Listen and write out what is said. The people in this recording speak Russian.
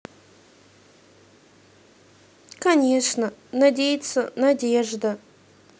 конечно надеется надежда